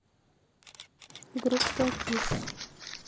группа кисс